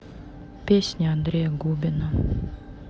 песни андрея губина